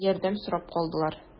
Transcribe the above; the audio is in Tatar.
Ярдәм сорап калдылар.